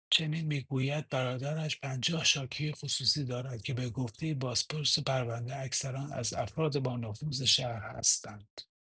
همچنین می‌گوید برادرش «پنجاه شاکی خصوصی دارد که به گفته بازپرس پرونده اکثرا از افراد با نفوذ شهر هستند».